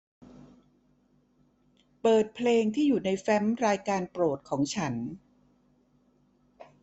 เปิดเพลงที่อยู่ในแฟ้มรายการโปรดของฉัน